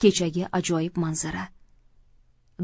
kechagi ajoyib manzara